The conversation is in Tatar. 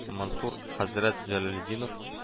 Мансур хәзрәт Җәләлетдинов